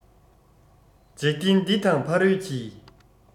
འཇིག རྟེན འདི དང ཕ རོལ གྱི